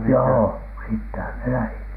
joo sittenhän ne lähti